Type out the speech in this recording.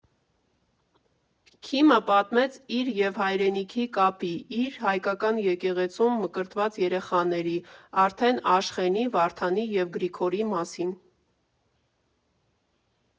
Քիմը պատմեց իր և հայրենիքի կապի, իր՝ հայկական եկեղեցում մկրտված երեխաների՝ արդեն Աշխենի, Վարդանի և Գրիգորի մասին։